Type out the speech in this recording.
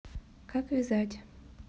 как вязать